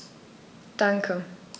Danke.